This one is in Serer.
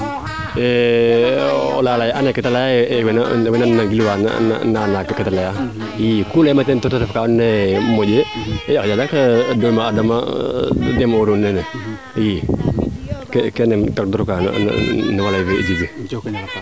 e o lalay ande keede leya ref meen nan gilwa nana keede leya i ku leyma teen te ref kaa ando naye ande domu adama demo'ooru neene i kene tag tooru ka no faley fee Djiby